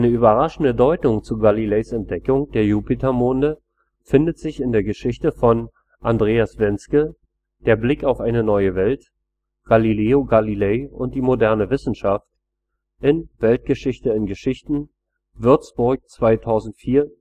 überraschende Deutung zu Galileis Entdeckung der Jupitermonde findet sich in der Geschichte von Andreas Venzke: Der Blick auf eine neue Welt – Galileo Galilei und die moderne Wissenschaft. In: Weltgeschichte in Geschichten. Würzburg 2004